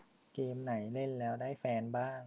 เกมไหนเล่นแล้วได้แฟนบ้าง